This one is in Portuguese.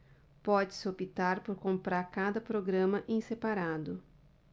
pode-se optar por comprar cada programa em separado